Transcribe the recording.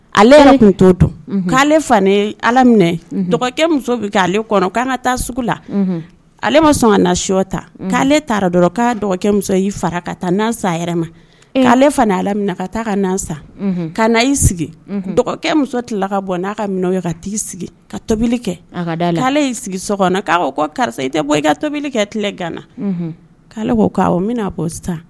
Ale yɛrɛ tun to k'ale ala minɛ dɔgɔkɛ muso bɛ'ale kɔnɔ k'an ka taa sugu la ale ma sɔn ka na shɔ ta k'ale taara dɔrɔn k'a dɔgɔ muso y'i fara ka taa na yɛrɛ ma k'ale ale alamina ka taa ka na san ka na i sigi dɔgɔkɛ muso tilala ka bɔ n'a ka minɛ ka t sigi ka tobili kɛ y'i sigi so kɔnɔ'a karisa i tɛ bɔ i ka tobili kɛ tile ganana k'ale k' bɛna bɔ sisan